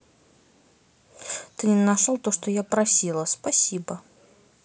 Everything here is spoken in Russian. ты не нашел то что я просила спасибо